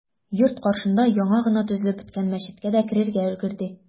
Йорт каршында яңа гына төзелеп беткән мәчеткә дә керергә өлгерде.